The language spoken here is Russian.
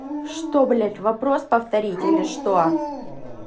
что блядь вопрос повторить или что